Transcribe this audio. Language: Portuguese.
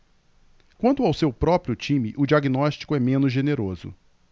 quanto ao seu próprio time o diagnóstico é menos generoso